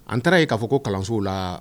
An taara ye k'a fɔ ko kalanso la